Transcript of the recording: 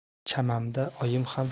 chamamda oyim ham